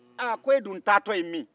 ha ko e dun taatɔ ye min